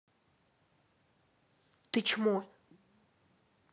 ты чмо